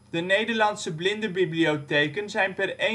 De Nederlandse blindenbibliotheken zijn per 1 januari 2007